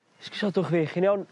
Esgusodwch fi chi'n iawn?